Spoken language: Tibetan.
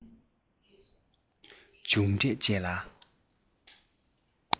མཇུག འབྲས བཅས ལ